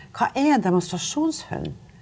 hva er en demonstrasjonshund?